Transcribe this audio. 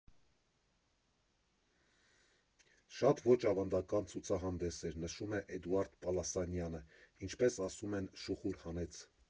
Շատ ոչ ավանդական ցուցահանդես էր, ֊ նշում է Էդուարդ Պալասանյանը, ֊ ինչպես ասում են՝ շուխուր հանեց։